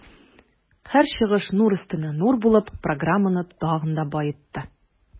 Һәр чыгыш нур өстенә нур булып, программаны тагын да баетты.